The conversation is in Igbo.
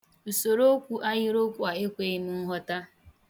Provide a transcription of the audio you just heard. Usorookwu ahịrịokwu a ekweghi m nghọta.